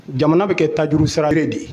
Jamana bɛ kɛ taj siralen de ye